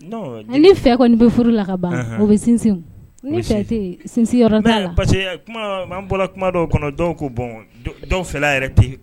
Ne fɛ kɔni bɛ furu la ka ban o bɛ sinsin sin bɔra kuma dɔw kɔnɔ dɔw ko bɔn dɔw fɛ ten